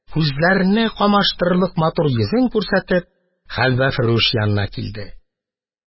Күзләрне камаштырырлык матур йөзен күрсәтеп, хәлвәфрүш янына килде.